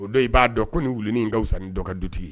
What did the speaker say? O don i b'a dɔn ko ni wu wuliin in ka fisa dɔ ka dutigi ye